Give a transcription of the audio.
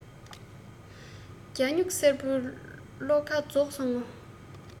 རྒྱ སྨྱུག སེར པོའི བློ ཁ རྫོགས སོང ངོ